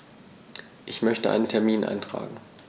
Ich möchte einen Termin eintragen.